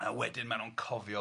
a wedyn maen nhw'n cofio popeth.